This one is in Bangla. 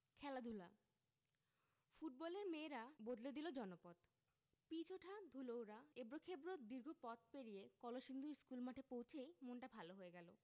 খেলাধুলা ফুটবলের মেয়েরা বদলে দিল জনপদ পিচ ওঠা ধুলো ওড়া এবড়োখেবড়ো দীর্ঘ পথ পেরিয়ে কলসিন্দুর স্কুলমাঠে পৌঁছেই মনটা ভালো হয়ে গেল